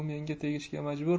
u menga tegishga majbur